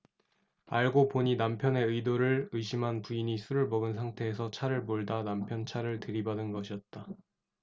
알고 보니 남편의 외도를 의심한 부인이 술을 먹은 상태에서 차를 몰다 남편 차를 들이받은 것이었다